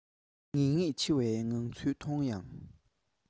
ངེས ངེས འཆི བའི ངང ཚུལ མཐོང ཡང